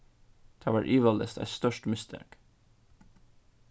tað var ivaleyst eitt stórt mistak